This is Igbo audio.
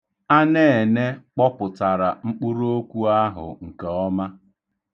Anene kpọpụtara mkpụrụokwu ahụ nke ọma.